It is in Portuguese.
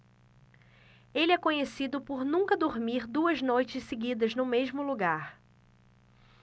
ele é conhecido por nunca dormir duas noites seguidas no mesmo lugar